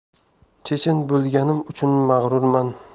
chechen bo'lganim uchun mag'rurman